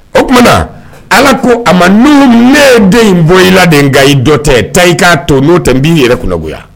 O tumaumana ala ko a ma n ne den in bɔ i la de nka i dɔ tɛ ta i k'a to n'o tɛ b'i yɛrɛ kunnagoya